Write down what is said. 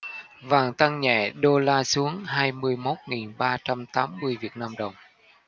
vàng tăng nhẹ đô la xuống hai mươi mốt nghìn ba trăm tám mươi việt nam đồng